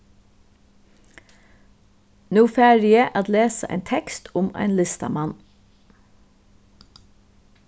nú fari eg at lesa ein tekst um ein listamann